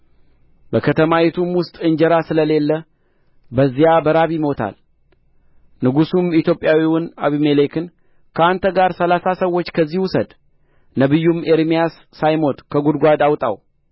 በከተማይቱም ውስጥ እንጀራ ስለሌለ በዚያ በራብ ይሞታል ንጉሡም ኢትዮጵያዊውን አቤሜሌክም ከአንተ ጋር ሠላሳ ሰዎች ከዚህ ውሰድ ነቢዩም ኤርምያስ ሳይሞት ከጕድጓድ አውጣው